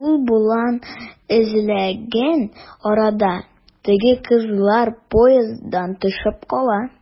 Ул болан эзләгән арада, теге кызлар поезддан төшеп кала.